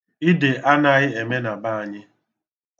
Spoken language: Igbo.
Ide anaghị eme na be anyị.